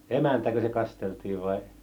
emäntäkö se kasteltiin vai